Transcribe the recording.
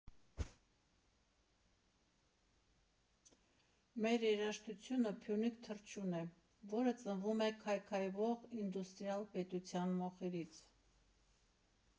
«Մեր երաժշտությունը Փյունիկ թռչուն է, որը ծնվում է քայքայվող ինդուստրիալ պետության մոխիրից»։